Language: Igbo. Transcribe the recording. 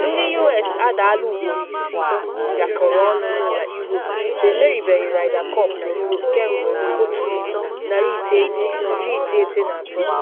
Ndị US adaala ugboro isiii bịakọrọ ọnụ n’ala Europe, ha emeribeghị Ryder Cup na Europe kemgbe 1993.